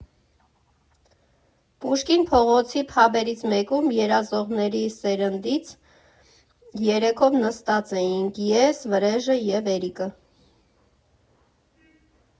Պուշկին փողոցի փաբերից մեկում «երազողների սերնդից» երեքով նստած էինք ես, Վրեժը և Էրիկը։